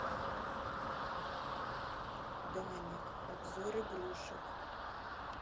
даник обзор игрушек